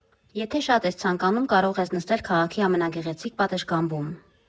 Եթե շատ ես ցանկանում, կարող ես նստել քաղաքի ամենագեղեցիկ պատշգամբում.